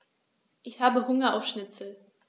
Ich habe Hunger auf Schnitzel.